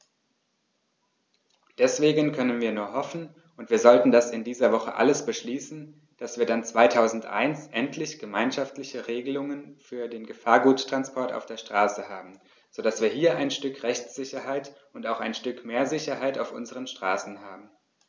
Deswegen können wir nur hoffen - und wir sollten das in dieser Woche alles beschließen -, dass wir dann 2001 endlich gemeinschaftliche Regelungen für den Gefahrguttransport auf der Straße haben, so dass wir hier ein Stück Rechtssicherheit und auch ein Stück mehr Sicherheit auf unseren Straßen haben.